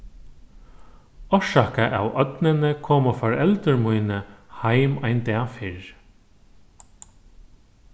orsakað av ódnini komu foreldur míni heim ein dag fyrr